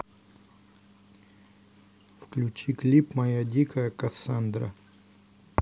включи клип моя дикая кассандра